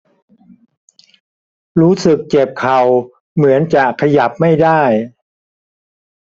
รู้สึกเจ็บเข่าเหมือนจะขยับไม่ได้